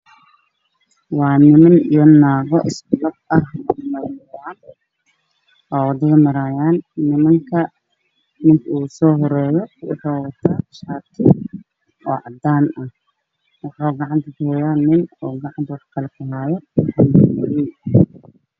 Waa niman iyo naago isku jiro oo wadada maraayo nimanka ninka ugu soo horeeyo waxuu wataa shaati cadaan ah waxuu gacanta kuwadaa nin.